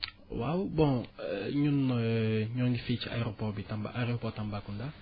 waaw bon ñun ñoo ngi fii ci aéroport bi Tamba aéroport Tambacounda